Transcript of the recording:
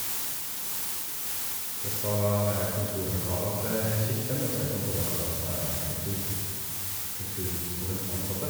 Det skal være kontorlokaler til kirken, og det skal være kontorlokaler til kultur kulturskolens ansatte.